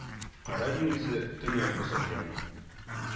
Кара диңгезе, Төньяк Боз океаны